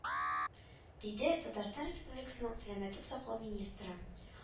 Диде татарстан республикасының сәламәтлек саклау министры